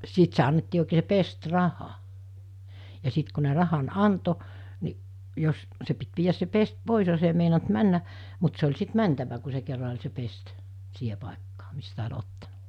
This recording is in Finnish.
siitä se annettiin oikein se pestiraha ja sitten kun ne rahan antoi niin jos se piti viedä se pesti pois jos ei meinannut mennä mutta se oli sitten mentävä kun se kerran oli se pesti siihen paikkaan mistä oli ottanut